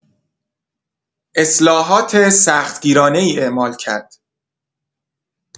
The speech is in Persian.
اصلاحات سخت گیرانه‌ای اعمال کرد.